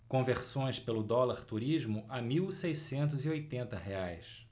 conversões pelo dólar turismo a mil seiscentos e oitenta reais